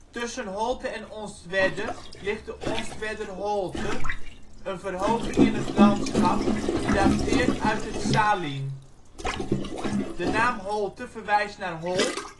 Tussen Holte en Onstwedde ligt de Onstwedder Holte, een verhoging in het landschap die dateert uit het Saalien. De naam Holte verwijst naar holt